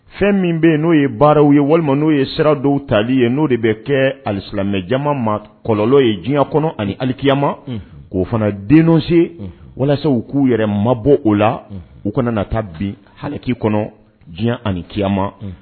Fɛn min bɛ yen n'o ye baaraw ye walima n'o ye sira dɔw tali ye n'o de bɛ kɛ ali silamɛmɛja ma kɔlɔlɔ ye diɲɛ kɔnɔ ani alikiyama k'o fana dense walasa u k'u yɛrɛ ma bɔ o la u kana taa bin hakiliki kɔnɔ diɲɛ aniyama